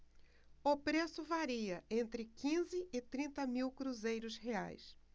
o preço varia entre quinze e trinta mil cruzeiros reais